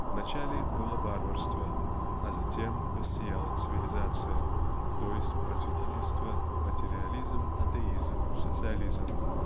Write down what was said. Вначале было варварство, а затем воссияла цивилизация, т. е. просветительство материализм атеизм социализм